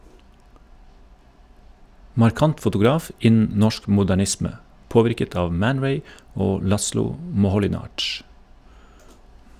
Markant fotograf innen norsk modernisme, påvirket av Man Ray og Laszlo Moholy-Nagy.